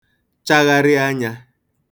chagharị anya